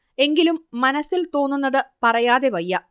എങ്കിലും മനസ്സിൽ തോന്നുന്നത് പറയാതെ വയ്യ